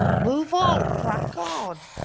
Move on. Crack on!